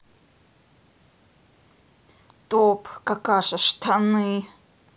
топ какаша штаны